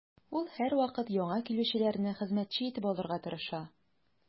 Ул һәрвакыт яңа килүчеләрне хезмәтче итеп алырга тырыша.